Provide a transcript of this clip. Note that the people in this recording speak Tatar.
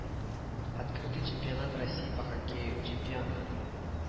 Открытый чемпионат россии по хоккею чемпионат